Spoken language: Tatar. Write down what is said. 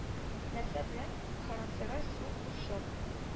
Нәрсә белән характерлы со бу чор